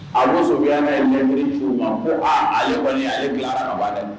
A musoya ɲɛ ma ko aa a kɔni bi saba' nɛ